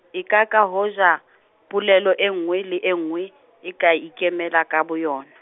ekaka hoja, polelo e nngwe le e nngwe e ka ikemela ka boyona.